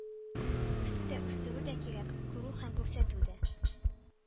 Үсү дә үстерү дә кирәк, күрү һәм күрсәтү дә.